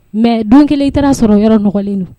Mɛ dɔnkili kelen taara sɔrɔ yɔrɔ nɔgɔlen don